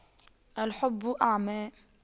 الحب أعمى